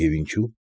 Եվ ինչո՞ւ։